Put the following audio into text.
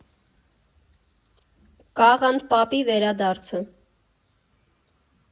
Կաղանդ պապի վերադարձը։